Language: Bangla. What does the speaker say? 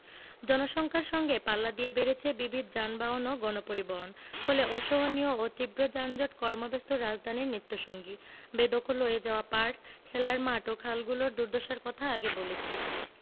জনসংখ্যার সঙ্গে পাল্লা দিয়ে বেড়েছে বিবিধ যানবাহন ও গণপরিবহন ফলে অসহনীয় ও তীব্র যানজট কর্মব্যস্ত রাজধানীর নিত্যসঙ্গী বেদখল হয়ে যাওয়া পার্ক খেলার মাঠ ও খালগুলোর দুর্দশার কথা আগে বলেছি